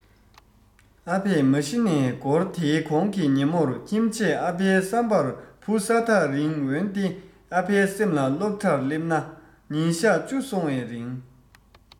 ཨ ཕས མ གཞི བྱས ན སྒོར དེའི གོང གི ཉིན མོར ཁྱིམ ཆས ཨ ཕའི བསམ པར བུ ས ཐག རིང འོན ཏེ ཨ ཕའི སེམས ལ སློབ གྲྭར སླེབས ནས ཉིན གཞག བཅུ སོང བའི རིང